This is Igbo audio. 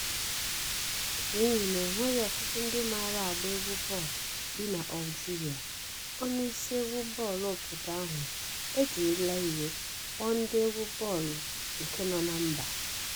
N'ihi na e nweghi ọtụtụ ndị mara agba egwú bọọlụ bi na Algeria, onye isi egwu bọọlụ obodo ahụ ejirila iwe kpọọ ndị egwu bọọlụ nke nọ na mba.